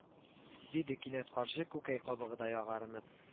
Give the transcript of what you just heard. Диде кинәт карчык күкәй кабыгыдай агарынып